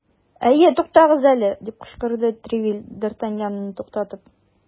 Әйе, тукагыз әле! - дип кычкырды де Тревиль, д ’ Артаньянны туктатып.